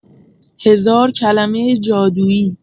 هزار کلمه جادویی